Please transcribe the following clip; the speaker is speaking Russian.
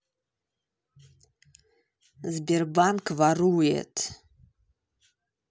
сбербанк ворует